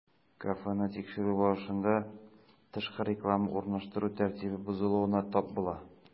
Кафены тикшерү барышында, тышкы реклама урнаштыру тәртибе бозылуына тап була.